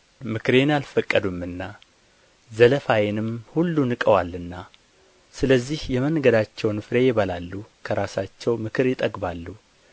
ምክሬን አልፈቀዱምና ዘለፋዬንም ሁሉ ንቀዋልና ስለዚህ የመንገዳቸውን ፍሬ ይበላሉ ከራሳቸው ምክር ይጠግባሉ